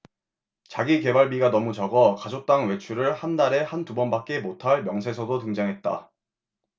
자기계발비가 너무 적어 가족당 외출을 한 달에 한 두 번밖에 못할 명세서도 등장했다